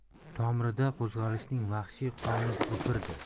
tomirida qo'zg'alishning vahshiy qoni gupirdi